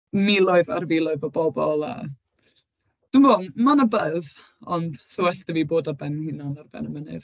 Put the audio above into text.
Miloedd ar filoedd o bobl a... Dwi'm yn gwbod m- mae yna buzz, ond sa' well 'da fi fod ar ben fy hunan ar ben y mynydd.